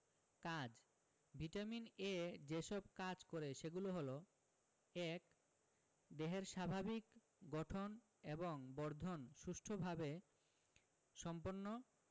কাজ vitamin A যেসব কাজ করে সেগুলো হলো ১. দেহের স্বাভাবিক গঠন এবং বর্ধন সুষ্ঠুভাবে সম্পন্ন